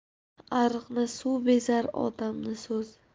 ariqni suv bezar odamni so'z